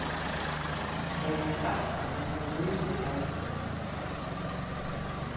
er tað satt at hann tók lívið av sær